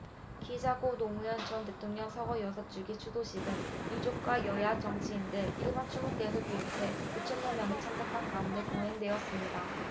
기자 고 노무현 전 대통령 서거 여섯 주기 추도식은 유족과 여야 정치인들 일반 추모객을 비롯해 오 천여 명이 참석한 가운데 거행됐습니다